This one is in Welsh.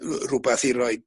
yy rhwbath i roid